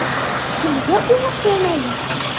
Кемгә уңыш елмаер?